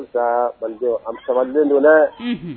Ban an sabadon